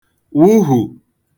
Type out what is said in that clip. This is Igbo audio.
wụhù